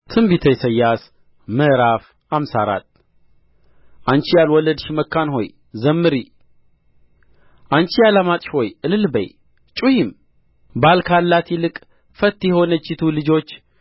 ትንቢተ ኢሳይያስ ምዕራፍ ሃምሳ አራት አንቺ ያልወለድሽ መካን ሆይ ዘምሪ አንቺ ያላማጥሽ ሆይ እልል በዪ ጩኺም ባል ካላት ይልቅ ፈት የሆነቺቱ ልጆች